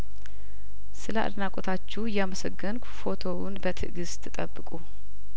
ስለአድናቆታችሁ እያመሰገንኩ ፎቶውን በትእግስት ጠብቁ